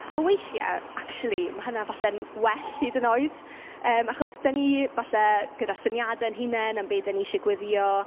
A weithiau, acshyli, ma' hynna falle'n well, hyd yn oed yym, achos dan ni falle gyda syniadau'n hunain am be dan ni isie gweddïo.